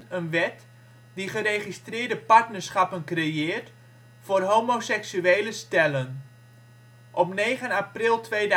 een wet die geregistreerde partnerschappen creëert voor homoseksuele stellen. Op 9 april 2009